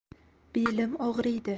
belim og'riydi